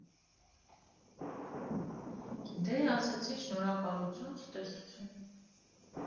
Դե, ասեցին, շնորհակալություն, ցտեսություն։